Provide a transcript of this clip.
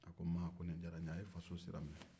ma nin diyara n ye